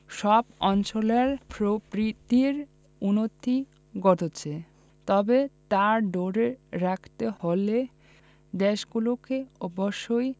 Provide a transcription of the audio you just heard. সব অঞ্চলেই প্রবৃদ্ধির উন্নতি ঘটছে তবে তা ধরে রাখতে হলে দেশগুলোকে অবশ্যই